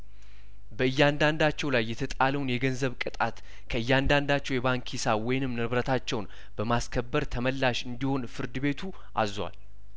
በእያንዳንዳቸው ላይ የተጣለውን የገንዘብ ቅጣት ከእያንዳንዳቸው የባንክ ሂሳብ ወይንም ንብረታቸውን በማስከበር ተመላሽ እንዲሆን ፍርድ ቤቱ አዟል